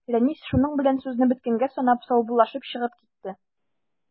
Рәнис, шуның белән сүзне беткәнгә санап, саубуллашып чыгып китте.